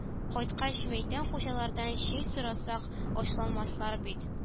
Кайткач мәйтәм хуҗалардан чәй сорасак ачуланмаслар бит